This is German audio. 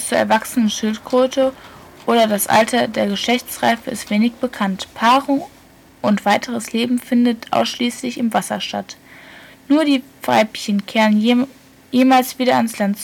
erwachsenen Schildkröte oder das Alter der Geschlechtsreife ist wenig bekannt. Paarung und weiteres Leben finden ausschließlich im Wasser statt. Nur die weiblichen Tiere kehren jemals wieder an Land zurück